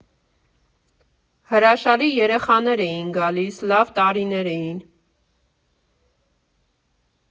«Հրաշալի երեխաներ էին գալիս, լավ տարիներ էին։